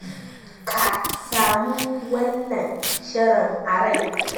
ka samu wannan shirin a rai.”